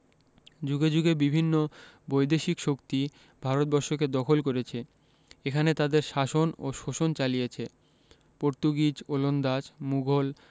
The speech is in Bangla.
যুগে যুগে বিভিন্ন বৈদেশিক শক্তি ভারতবর্ষকে দখল করেছে এখানে তাদের শাসন ও শোষণ চালিয়েছে পর্তুগিজ ওলন্দাজ মুঘল